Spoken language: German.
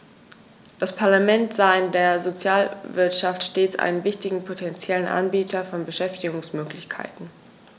Das Parlament sah in der Sozialwirtschaft stets einen wichtigen potentiellen Anbieter von Beschäftigungsmöglichkeiten.